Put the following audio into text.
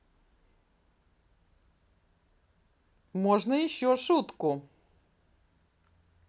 можно еще шутку